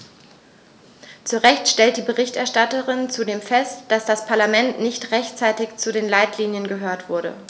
Zu Recht stellt die Berichterstatterin zudem fest, dass das Parlament nicht rechtzeitig zu den Leitlinien gehört wurde.